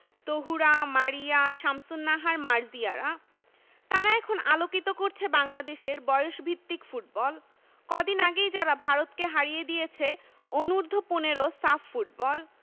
তহুরা মারিয়া শামসুন্নাহার মার্জিয়ারা তারা এখন আলোকিত করছে বাংলাদেশের বয়সভিত্তিক ফুটবল কদিন আগেই যারা ভারতকে হারিয়ে দিয়েছে অনূর্ধ্ব ১৫ সাফ ফুটবল